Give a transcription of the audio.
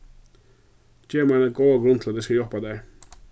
gev mær eina góða grund til at eg skal hjálpa tær